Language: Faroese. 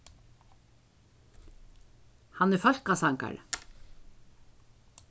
hann er fólkasangari